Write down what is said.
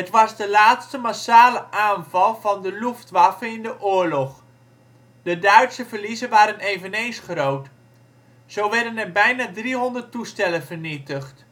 was de laatste massale aanval van de Luftwaffe in de oorlog. De Duitse verliezen waren eveneens groot. Zo werden er bijna driehonderd toestellen vernietigd